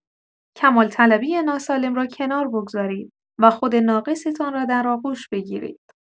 کمال‌طلبی ناسالم را کنار بگذارید و خود ناقصتان را در آغوش بگیرید.